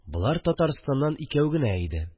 Болар Татарстаннан икәү генә иде